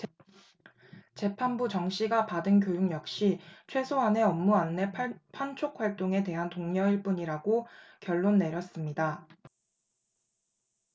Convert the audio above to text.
재판부는 정씨가 받은 교육 역시 최소한의 업무 안내 판촉활동에 대한 독려일 뿐이라고 결론 내렸습니다